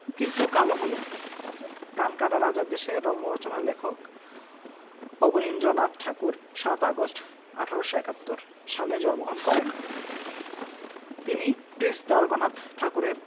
কিন্তু কালো হল' 'কানকাটা রাজার দেশ' রম্যরচনার লেখক অবনীন্দ্রনাথ ঠাকুর ৭ আগস্ট ১৮৭১ সালে জন্মগ্রহণ করেন তিনি প্রিন্স দ্বারকানাথ ঠাকুরের